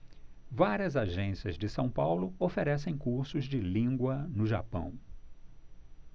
várias agências de são paulo oferecem cursos de língua no japão